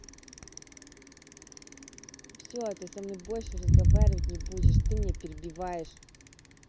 все ты со мной больше разговаривать не будешь ты меня перебиваешь